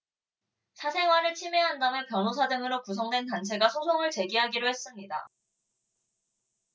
사생활을 침해한다며 변호사 등으로 구성된 단체가 소송을 제기하기로 했습니다